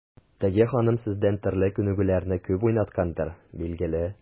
Теге ханым сездән төрле күнегүләрне күп уйнаткандыр, билгеле.